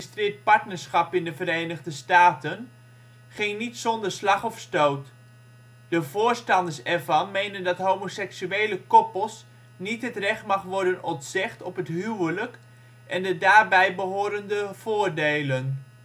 Verenigde Staten ging niet zonder slag of stoot. De voorstanders ervan menen dat homoseksuele koppels niet het recht mag worden ontzegd op het huwelijk en de daar bijhorende voordelen